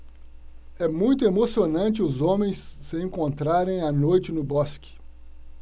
é muito emocionante os homens se encontrarem à noite no bosque